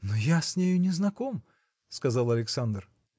– Но я с нею незнаком, – сказал Александр.